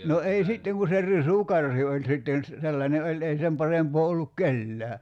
no ei sitten kun se risukarhi oli sitten - sellainen oli ei sen parempaa ollut kenelläkään